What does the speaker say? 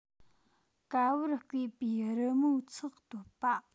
ཀ བར བརྐོས པའི རི མོའི ཚག དོད པ